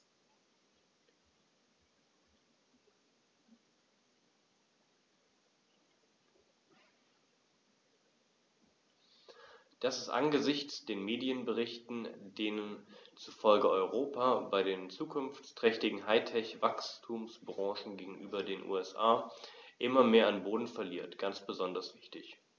Das ist angesichts von Medienberichten, denen zufolge Europa bei den zukunftsträchtigen High-Tech-Wachstumsbranchen gegenüber den USA immer mehr an Boden verliert, ganz besonders wichtig.